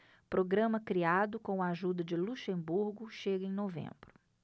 programa criado com a ajuda de luxemburgo chega em novembro